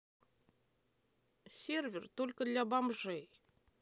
сервер только для бомжей